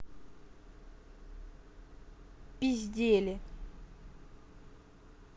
пиздели